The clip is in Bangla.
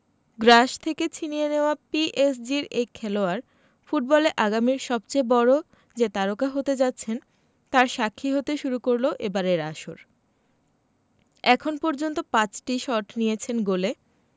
গ্রাস থেকে ছিনিয়ে নেওয়া পিএসজির এই খেলোয়াড় ফুটবলে আগামীর সবচেয়ে বড় তারকা যে হতে যাচ্ছেন তার সাক্ষী হতে শুরু করল এবারের আসর এখন পর্যন্ত ৫টি শট নিয়েছেন গোলে